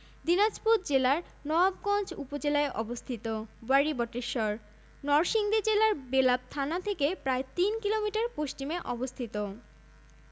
দিনাজপুর জেলার নওয়াবগঞ্জ উপজেলায় অবস্থিত ওয়ারী বটেশ্বর নরসিংদী জেলার বেলাব থানা থেকে প্রায় তিন কিলোমিটার পশ্চিমে অবস্থিত